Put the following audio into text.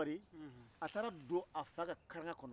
ni gɛrɛla a la a bɛ i ka furu sa